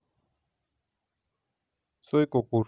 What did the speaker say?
цой кукушка